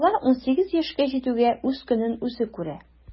Бала унсигез яшькә җитүгә үз көнен үзе күрә.